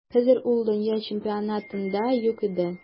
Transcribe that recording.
Хәзер ул дөнья чемпионатында юк иде.